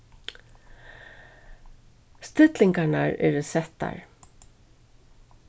stillingarnar eru settar